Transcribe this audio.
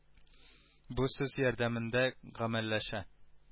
Бу сүз ярдәмендә гамәлләшә